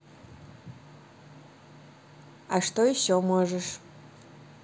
а что еще можешь